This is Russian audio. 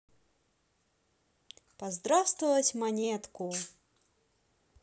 поздравствовать монетку